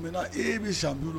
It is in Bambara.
E bɛ sa bolo